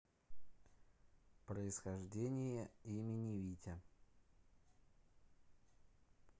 происхождение имени витя